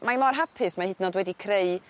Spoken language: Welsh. mae mor hapus mae hyd yn o'd wedi creu